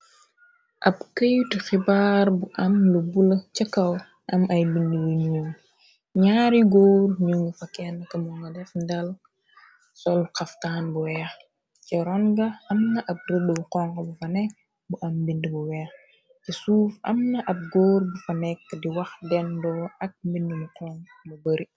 Ab këyutu xibaar bu am lu bula ca kaw am ay bind wuy ñuon ñaari góor ñu ngu fa kenn kamo nga def ndal sol xaftaan bu weex ci ronga amna ab dudd bu xong bu fa nekk bu am mbind bu weex ci suuf am na ab góor bu fa nekk di wax dendoo ak mbind mu xong mu bari.